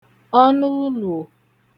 ọnụ ụlụ̀ọ̀